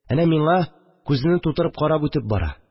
Әнә миңа күзене тутырып карап үтеп бара